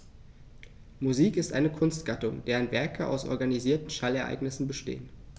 Musik ist eine Kunstgattung, deren Werke aus organisierten Schallereignissen bestehen.